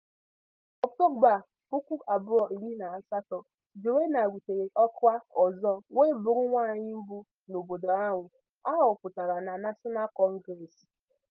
Na Ọktoba 2018, Joenia rutere ọkwá ọzọ, wee bụrụ nwaanyị mbụ n'obodo ahụ a họpụtara na National Congress.